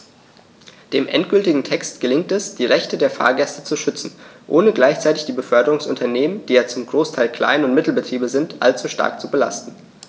Dem endgültigen Text gelingt es, die Rechte der Fahrgäste zu schützen, ohne gleichzeitig die Beförderungsunternehmen - die ja zum Großteil Klein- und Mittelbetriebe sind - allzu stark zu belasten.